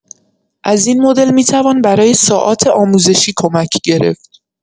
از این مدل می‌توان برای ساعات آموزشی کمک گرفت.